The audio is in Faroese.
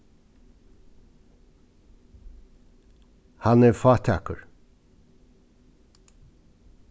hann er fátækur